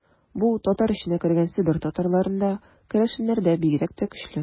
Бу татар эченә кергән Себер татарларында, керәшеннәрдә бигрәк тә көчле.